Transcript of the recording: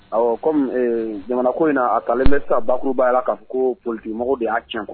Awɔ komi ɛɛ jamana ko in na, a talen bɛ sisan bakurubaya la ka fɔ ko politique mɔgɔw de y'a can.